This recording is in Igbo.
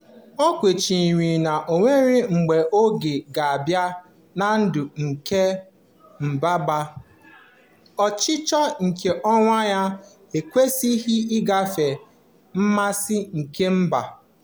O kwenyere na e nwere "mgbe oge ga-abịa na ndụ nke mba mgbe ọchịchọ nke onwe onye ekwesịghị ịgafe mmasị kemba".